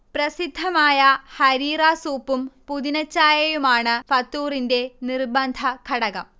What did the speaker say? പ്രസിദ്ധമായ 'ഹരീറ' സൂപ്പും പുതിനച്ചായയുമാണ് ഫതൂറിന്റെ നിർബന്ധ ഘടകം